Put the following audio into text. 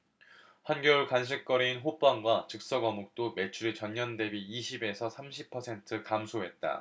한겨울 간식거리인 호빵과 즉석어묵도 매출이 전년대비 이십 에서 삼십 퍼센트 감소했다